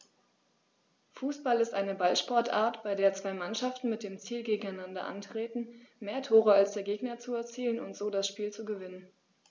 Fußball ist eine Ballsportart, bei der zwei Mannschaften mit dem Ziel gegeneinander antreten, mehr Tore als der Gegner zu erzielen und so das Spiel zu gewinnen.